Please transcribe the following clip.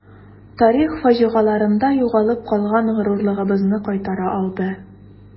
Тарих фаҗигаларында югалып калган горурлыгыбызны кайтара алды.